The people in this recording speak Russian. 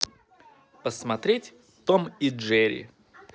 посмотреть том и джерри